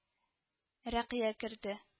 Рәкыя кере